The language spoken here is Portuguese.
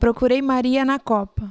procurei maria na copa